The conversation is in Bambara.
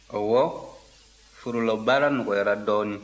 ɔwɔ forolabaara nɔgɔyara dɔɔnin